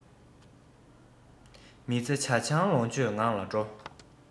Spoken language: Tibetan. མི ཚེ ཇ ཆང ལོངས སྤྱོད ངང ལ འགྲོ